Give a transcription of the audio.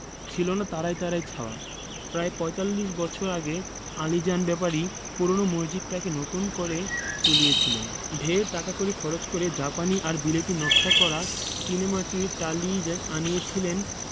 ছিলনা তারায় তারায় ছাওয়া প্রায় পঁয়তাল্লিশ বছর আগে আলীজান ব্যাপারী পূরোনো মসজিদটাকে নতুন করে তুলেছিলেন ঢের টাকাকড়ি খরচ করে জাপানি আর বিলেতী নকশা করা চীনেমাটির টালি আনিয়েছিলেন